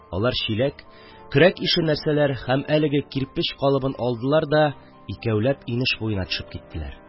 Алар чиләк, көрәк ише нәрсәләр һәм әлеге кирпеч калыбын алдылар да, икәүләп инеш буена төшеп киттеләр.